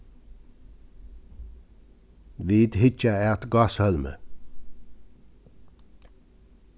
vit hyggja at gáshólmi